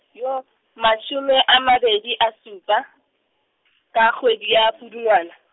yo, mashome a mabedi a supa , ka kgwedi ya Pudungwana.